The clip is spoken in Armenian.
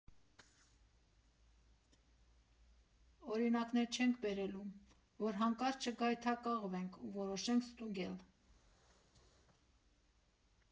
Օրինակներ չենք բերելու, որ հանկարծ չգայթակղվեք ու որոշեք ստուգել։